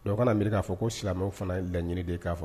Don kana mi k'a fɔ ko silamɛw fana laɲini de k'a fɔ